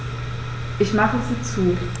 Ich mache sie zu.